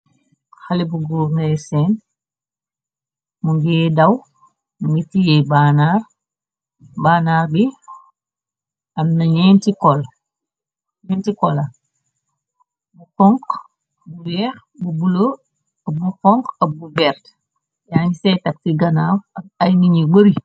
Xali bu gourney seen mu ngi daw miti yi bannar bi. Am na ñenti kola mu xonk. Bu yeex bu bulo ab bu konk ab bu bert yaa ngi say tax ci ganaaw ak ay niñuy bori.